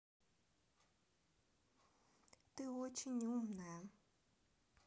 ты очень умная